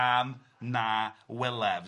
Am na welef.